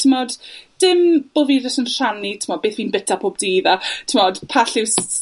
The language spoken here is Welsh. T'mod, dim bo' fi jys yn rhannu t'mo' beth fi'n bita pob dydd a, t'mod, ond pa lliw s- s-